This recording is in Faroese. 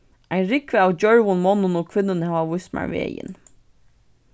ein rúgva av djørvum monnum og kvinnum hava víst mær vegin